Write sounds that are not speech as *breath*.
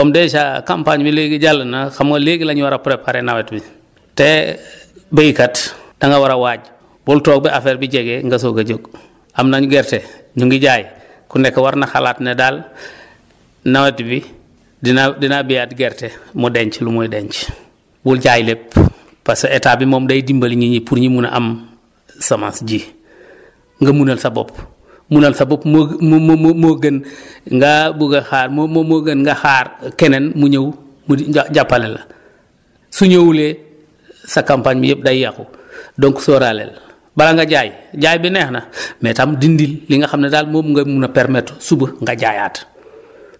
comme dèjà campagne bi léegi jàll na xam nga léegi la ñu war a préparer nawet wi te béykat da nga war a waaj bul toog ba affaire bi jege nga soog a jóg am nañ gerte ñu ngi jaay ku nekk war na xaalaat ne daal *breath* nawet bi dina dinaa béyaat gerte mu denc lu muy denc bul jaay lépp parce que état bi moom day dimbali nit ñi pour ñu mun a am semence ji *breath* nga munal sa bopp munal sa bopp moo moom moo moo moo gën *breath* nga bugg a xaar moom moom moo gën nga xaar keneen mu ñëw mu di nga jàppale la su ñëwulee sa campagne bi yëpp day yàqu *breath* donc sóoraaleel bala nga jaay jaay bi neex na *breath* mais tam dindil li nga xam ne daal moom nga mun a permettre suba nga jaayaat